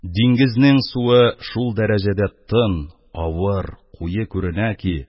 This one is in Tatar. Диңгезнең суы шул дәрәҗәдә тын, авыр, куе күренә ки,